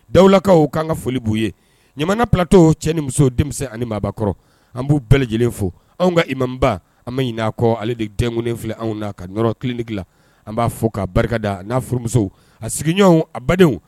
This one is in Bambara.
Dawulakaw k'an ŋa foli b'u ye Ɲamana plateau cɛ ni muso denmisɛn ani maabakɔrɔ an b'u bɛɛ lajɛlen fo anw ka imamba an ma ɲin'a kɔ ale de tɛŋunen filɛ anw na k'a nɔrɔ clinique la an b'a fo k'a barikada n'a furumuso a sigiɲɔɔnw a badenw